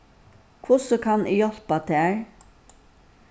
hvussu kann eg hjálpa tær